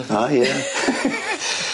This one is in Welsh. O ie.